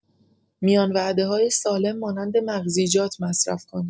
میان‌وعده‌های سالم مانند مغزیجات مصرف کنید.